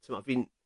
T'mo' fi'n